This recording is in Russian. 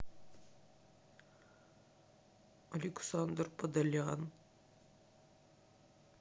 александр подолян